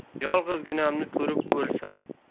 yolg'izginamni ko'rib o'lsam